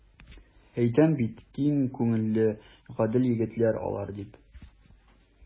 Әйтәм бит, киң күңелле, гадел егетләр алар, дип.